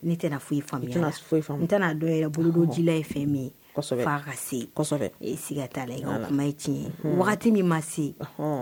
Ne tɛ foyi yɛrɛ bolodo jila ye fɛn min ka sigi ta la kuma ye tiɲɛ ye wagati min ma se